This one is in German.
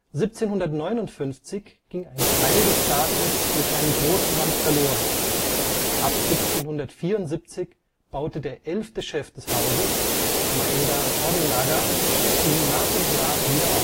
1759 ging ein Teil des Gartens durch einen Großbrand verloren, ab 1774 baute der 11. Chef des Hauses, Maeda Harunaga, ihn nach und nach wieder